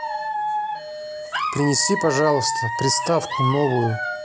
принеси пожалуйста приставку новую